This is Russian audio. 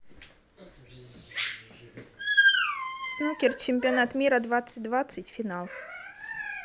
снукер чемпионат мира двадцать двадцать финал